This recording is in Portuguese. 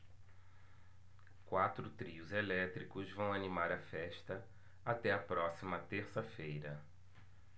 quatro trios elétricos vão animar a festa até a próxima terça-feira